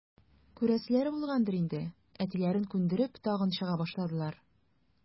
Күрәселәре булгандыр инде, әтиләрен күндереп, тагын чыга башладылар.